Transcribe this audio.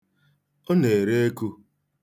Ọ na-ere eku.